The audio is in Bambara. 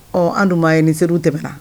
Ɔ an dun maa ye nin se tɛmɛna